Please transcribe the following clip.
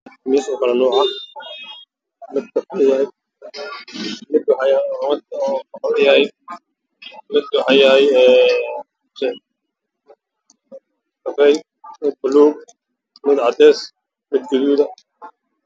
Meeshaa waxaa yaaalo khamiisyo